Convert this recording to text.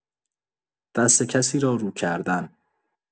دست کسی را رو کردن